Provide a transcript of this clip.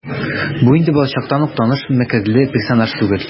Бу инде балачактан ук таныш мәкерле персонаж түгел.